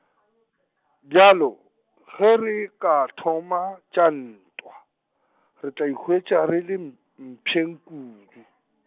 bjalo, ge re ka thoma tša ntwa , re tla ikhwetša re le m-, mpšeng kudu.